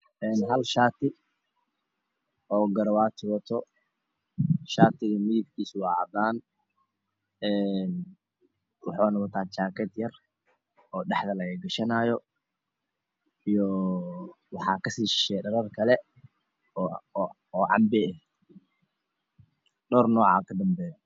Een hal shaati midabkiisu cadaan wuxuuna wataa jakad yar dhexda laga gishanayo iyo fitisheri kale oo canbe ah dhowr nooc aya ka danbeeyo